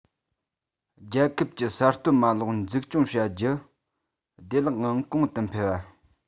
རྒྱལ ཁབ ཀྱི གསར གཏོད མ ལག འཛུགས སྐྱོང བྱེད རྒྱུ བདེ བླག ངང གོང དུ འཕེལ བ